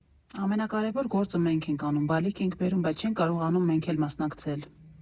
Ամենակարևոր գործը մենք ենք անում, բալիկ ենք բերում, բայց չենք կարողանում մենք էլ մասնակցել։